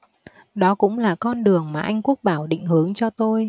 đó cũng là con đường mà anh quốc bảo định hướng cho tôi